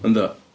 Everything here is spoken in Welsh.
Yndw.